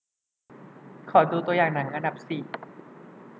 ขอดูตัวอย่างหนังอันดับสี่